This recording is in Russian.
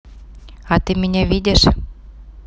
а ты меня видишь